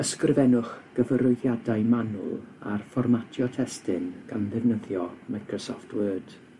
Ysgrifennwch gyfarwyddiadau manwl ar fformatio testun gan ddefnyddio Microsoft Word.